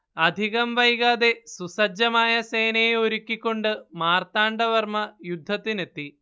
അധികം വൈകാതെ സുസജ്ജമായ സേനയെ ഒരുക്കിക്കൊണ്ട് മാർത്താണ്ടവർമ്മ യുദ്ധത്തിനെത്തി